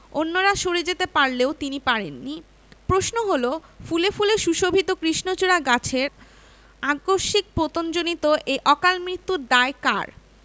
অন্যরা সরে যেতে পারলেও তিনি পারেননি প্রশ্ন হলো ফুলে ফুলে সুশোভিত কৃষ্ণচূড়া গাছের আকস্মিক পতনজনিত এই অকালমৃত্যুর দায় কার